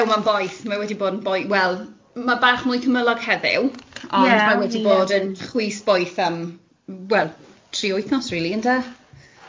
Ew, mae'n boeth, mae wedi bod yn boe- wel, ma' bach mwy cymylog heddiw, ond ie... Ie ...mae wedi bod yn chwys boeth am, wel, tri wythnos rili ynde?